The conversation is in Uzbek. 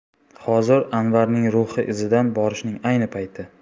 hozir anvarning ruhi izidan borishning ayni payti